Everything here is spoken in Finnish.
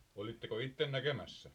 olitteko itse näkemässä